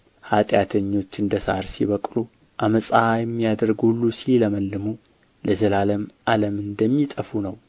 ኃጢአተኞች እንደ ሣር ሲበቅሉ ዓመፃ የሚያደርጉ ሁሉ ሲለመልሙ ለዘላለም ዓለም እንዲጠፋ ነው